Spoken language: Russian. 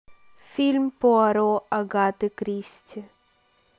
фильм пуаро агаты кристи